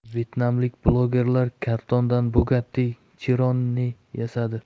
vyetnamlik blogerlar kartondan bugatti chiron'ni yasadi